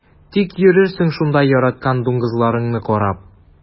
Тик йөрерсең шунда яраткан дуңгызларыңны карап.